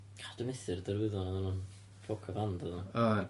O dwi'n methu'r derwyddon odden nw'n ffwc o fand oddan? Oedd.